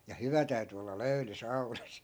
ja hyvä täytyi olla löyly saunassa